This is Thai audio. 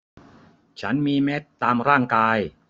ฉันมีเม็ดตามร่างกาย